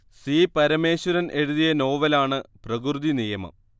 C Parameswaran എഴുതിയ നോവലാണ് പ്രകൃതിനിയമം